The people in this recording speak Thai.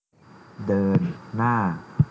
เดินหน้า